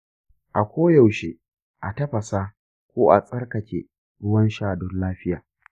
a koyaushe a tafasa ko a tsarkake ruwan sha don lafiya.